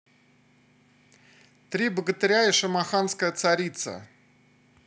три богатыря и шамаханская царица